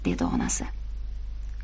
dedi onasi